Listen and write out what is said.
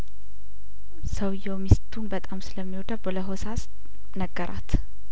ሰውዬው ሚስቱን በጣም ስለሚ ወዳት በለሆሳ ስነገራት